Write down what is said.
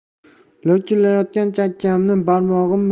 lo'qillayotgan chakkamni barmog'im